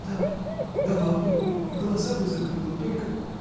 — Да. дала бы, и глаза бы закрыла, только.